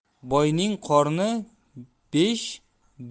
boyning qorni besh